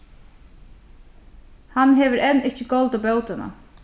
hann hevur enn ikki goldið bótina